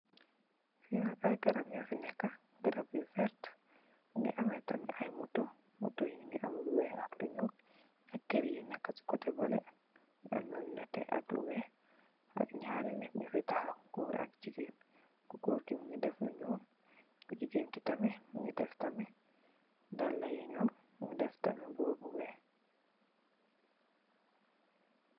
Li nak ay garap nyufi neka, garap yu werta, mungi ame tamit ay motor. Motor bi mungi ame lu ñuul ak lu weex. Keur yu neka ci koteh beleh mungi am lu netehak lu weex. Am nyarii goor yu takhaw ku goor ki mungi daf lu ñuul ku jigeen ki mungi daf tamit dalla yu bulo mungi daf tam mboba bu weex.